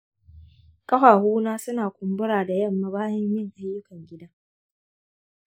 ƙafafuna suna kumbura da yamma bayan yin ayyukan gida.